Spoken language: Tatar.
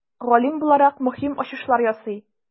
Галим буларак, мөһим ачышлар ясый.